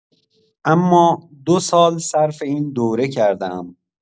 اما دو سال صرف این دوره کرده‌ام.